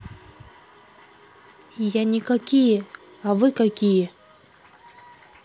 я никакие а вы какие